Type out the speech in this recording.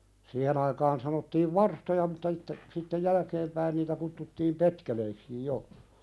siihen aikaan sanottiin varstoja mutta sitten sitten jälkeen päin niitä kutsuttiin petkeleiksi jo